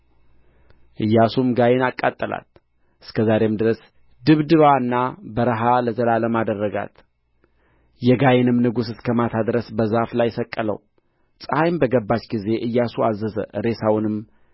ኢያሱም ጋይን አቃጠላት እስከ ዛሬም ድረስ ድብድባና በረሃ ለዘላለም አደረጋት የጋይንም ንጉሥ እስከ ማታ ድረስ በዛፍ ላይ ሰቀለው ፀሐይም በገባች ጊዜ ኢያሱ አዘዘ ሬሳውንም